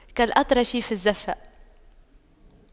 كالأطرش في الزَّفَّة